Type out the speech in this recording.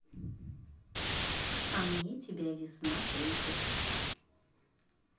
а мне тебя весна слушать